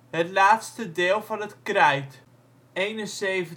het laatste deel van het Krijt, 71,3